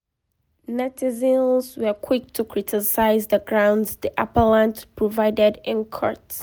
Netizens were quick to criticize the grounds the appellant provided in court.